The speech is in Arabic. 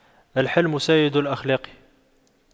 الحِلْمُ سيد الأخلاق